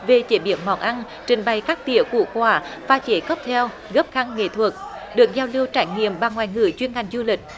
về chế biến món ăn trình bày khắc tỉa củ quả pha chế cốc theo gấp khăn nghệ thuật được giao lưu trải nghiệm bằng ngoại ngữ chuyên ngành du lịch